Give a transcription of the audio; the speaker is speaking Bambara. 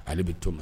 Hali bɛ to